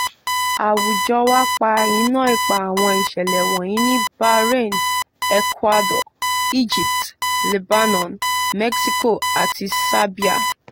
Àwùjọ wa pa iná ipa àwọn ìṣẹ̀lẹ̀ wọ̀nyìí ní Bahrain, Ecuador, Egypt, Lebanon, Mexico àti Serbia.